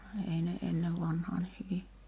ei ne ennen vanhaan niin hyvin